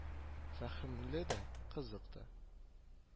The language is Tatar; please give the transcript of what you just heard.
Фәһемле дә, кызык та